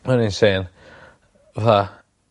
ma'n insane fatha